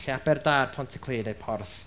Felly Aberdâr, Pontyclun neu Porth.